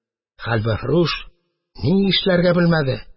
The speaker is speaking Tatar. Хәлвәфрүш ни эшләргә белмәде.